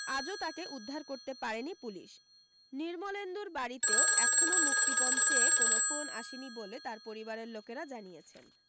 আজও তাকে উদ্ধার করতে পারেনি পুলিশ নির্মলেন্দুর বাড়ীতেও এখনও মুক্তিপণ চেয়ে কোনও ফোন আসেনি বলে তার পরিবারের লোকেরা জানিয়েছেন